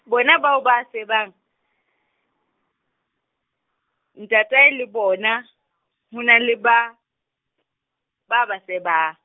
bona bao ba sebang, ntatae le bona , ho na le ba, ba ba seba.